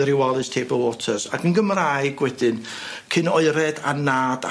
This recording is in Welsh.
the Rhiwalis Tablewaters ag yn Gymraeg wedyn cyn oered a nad